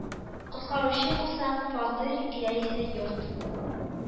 Коткаручы булсаң, фатир яисә йорт